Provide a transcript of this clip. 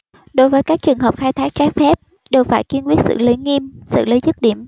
đối với các trường hợp khai thác trái phép đều phải kiên quyết xử lý nghiêm xử lý dứt điểm